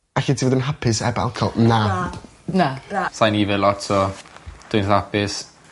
Allet ti fod yn hapus 'eb alcohol? Na. Na. Na. Na. Sai'n ifed lot so dwi 'tha apus